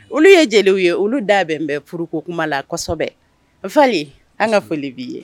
Olu ye jeliw ye olu da bɛn bɛn furuko kuma lasɔ kosɛbɛ falen an ka foli b'i ye